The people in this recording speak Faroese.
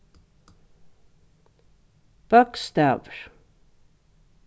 bókstavir